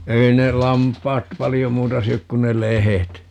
ei ne lampaat paljon muuta syö kuin ne lehdet